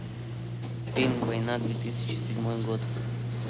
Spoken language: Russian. фильм война две тысячи седьмой год